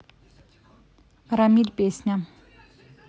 рамиль песня